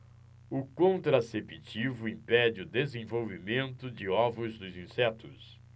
o contraceptivo impede o desenvolvimento de ovos dos insetos